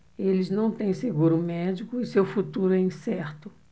eles não têm seguro médico e seu futuro é incerto